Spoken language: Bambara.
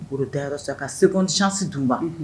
U' dayɔrɔ sa ka segucsi dunba